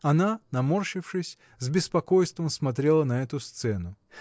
Она, наморщившись, с беспокойством смотрела на эту сцену.